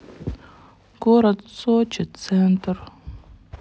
город сочи центр